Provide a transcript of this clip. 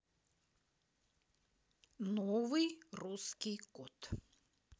новый русский кот